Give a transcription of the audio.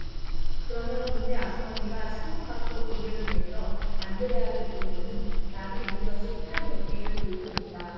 그러면 동네 아주머니가 창문 밖으로 고개를 내밀어 안드레아를 부르고는 날이 무뎌진 칼 몇 개를 들고 옵니다